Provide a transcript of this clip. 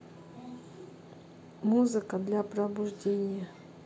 музыка для пробуждения